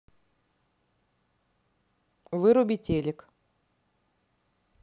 выруби телек